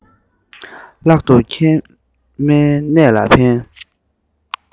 ལྷག ཏུ མཁལ མའི ནད ལ ཕན